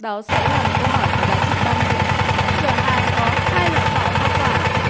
đó sẽ là một câu hỏi có giá trị ba mươi điểm cửa hàng có hai loại giỏ hoa quả